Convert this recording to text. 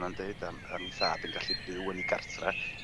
yn deud am am 'i thad yn gallu byw yn 'i gartre